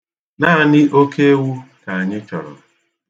Naanị oke ewu ka anyị chọrọ.